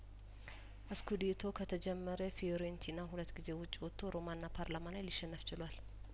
ስኩዴቶው ከተጀመረ ፊዮሬንቲና ሁለት ጊዜ ውጪ ወጥቶ ሮማና ፓርላማ ላይ ሊሸነፍ ችሏል